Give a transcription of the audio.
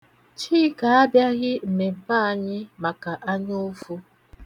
Chika abịaghị mmemme anyị maka anyaụfụ.